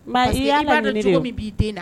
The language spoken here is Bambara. Maa i y'an ladon cogo min b'i den na